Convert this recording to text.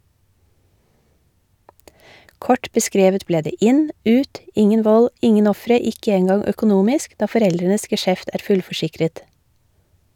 Kort beskrevet ble det inn, ut, ingen vold, ingen ofre, ikke engang økonomisk, da foreldrenes geskjeft er fullforsikret.